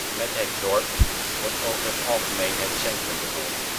Met het " Dorp " wordt over het algemeen het centrum bedoeld